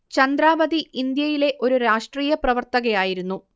ചന്ദ്രാവതി ഇന്ത്യയിലെ ഒരു രാഷ്ട്രീയ പ്രവർത്തകയായിരുന്നു